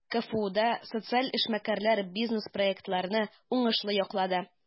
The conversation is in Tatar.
КФУда социаль эшмәкәрләр бизнес-проектларны уңышлы яклады.